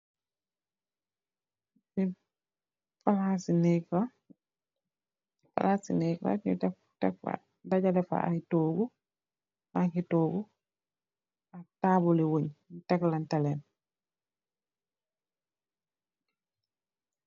Lii bagaas i nëëk la, ñu dajale fa ay toogu, ak taabul i,wéñge, teklaante léén.